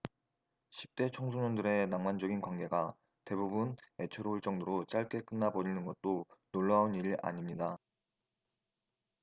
십대 청소년들의 낭만적인 관계가 대부분 애처로울 정도로 짧게 끝나 버리는 것도 놀라운 일이 아닙니다